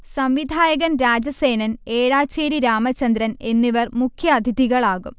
സംവിധായകൻ രാജസേനൻ, ഏഴാച്ചേരി രാമചന്ദ്രൻ എന്നിവർ മുഖ്യഅഥിതികളാകും